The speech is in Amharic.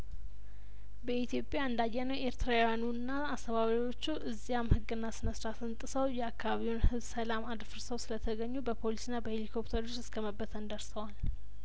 በኢትዮጵያ እንዳ የነው ኤርትራውያኑና አስተባባሪዎቹ እዚያም ህግና ስነ ስርአትን ጥሰው የአካባቢውን ህዝብ ሰላም አደፍ ርሰው ስለተገኙ በፖሊስና በሄሊኮፕተሮች እስከመበተን ደርሰዋል